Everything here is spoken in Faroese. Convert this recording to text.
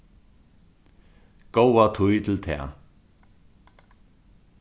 góða tíð til tað